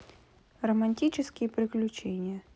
романтические приключения